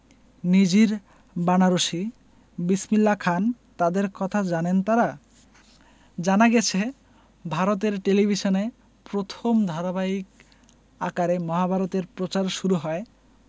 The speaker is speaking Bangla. নিজির বানারসি বিসমিল্লা খান তাঁদের কথা জানেন তাঁরা জানা গেছে ভারতের টেলিভিশনে প্রথম ধারাবাহিক আকারে মহাভারত এর প্রচার শুরু হয়